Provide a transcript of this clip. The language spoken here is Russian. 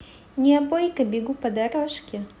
не обойка бегу по дорожке